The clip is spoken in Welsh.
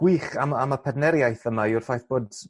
gwych am am y pertneriaeth yma yw'r ffaith bod